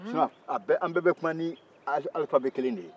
sinɔn an bɛɛ bɛ kuma ni alifabe kelen de ye